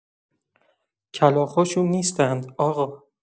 کلاغ‌ها شوم نیستند، آقا!